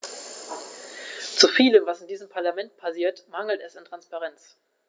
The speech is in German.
Zu vielem, was in diesem Parlament passiert, mangelt es an Transparenz.